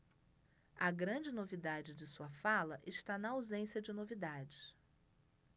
a grande novidade de sua fala está na ausência de novidades